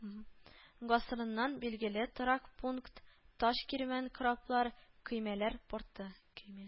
Гасырыннан билгеле торак пункт, таш кирмән, кораблар, көймәләр порты